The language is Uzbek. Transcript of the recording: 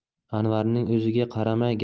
anvarning o'ziga qaramay